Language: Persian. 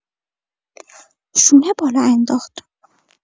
شونه بالا انداخت.